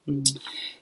Hmm.